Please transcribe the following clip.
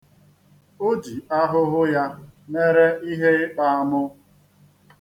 O ji ahụhụ ya mere ihe ịkpa amụ.